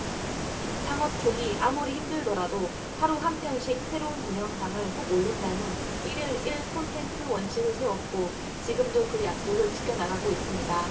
창업 초기 아무리 힘들더라도 하루 한 편씩 새로운 동영상을 꼭 올린다는 일 일 일 콘텐트 원칙을 세웠고 지금도 그 약속을 지켜나가고 있습니다